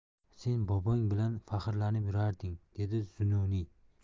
sen bobong bilan faxrlanib yurarding dedi zunnuniy